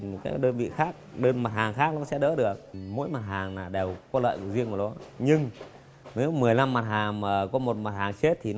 đơn vị khác mặt hàng khác nó sẽ đỡ được mỗi mặt hàng là đều có lợi riêng của ló nhưng lếu mười lăm mặt hàng mà có một mặt hàng chết thì